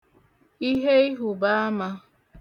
iheihùbaamā